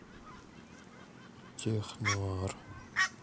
тех нуар